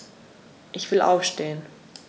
Ich will aufstehen.